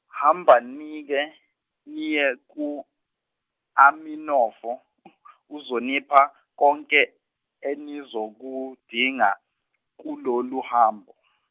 hambanike niye ku Aminofo uzonipha konke enizokudinga kulolu hambo.